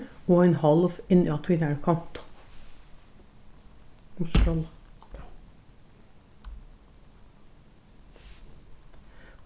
og ein hálv inni á tínari kontu